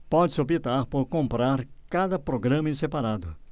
pode-se optar por comprar cada programa em separado